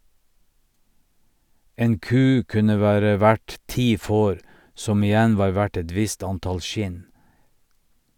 En ku kunne være verd ti får, som igjen var verdt et visst antall skinn.